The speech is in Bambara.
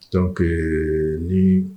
Donc ni